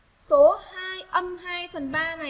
số âm phần